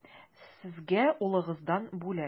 Сезгә улыгыздан бүләк.